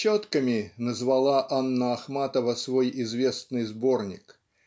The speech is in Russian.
"Четками" назвала Анна Ахматова свой известный сборник